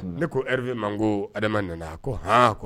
Ne ko man ko adama nana ko h